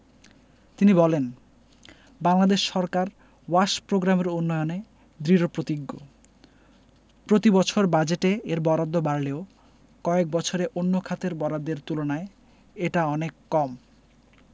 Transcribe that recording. তিনি বলেন বাংলাদেশ সরকার ওয়াশ প্রোগ্রামের উন্নয়নে দৃঢ়প্রতিজ্ঞ প্রতিবছর বাজেটে এর বরাদ্দ বাড়লেও কয়েক বছরে অন্য খাতের বরাদ্দের তুলনায় এটা অনেক কম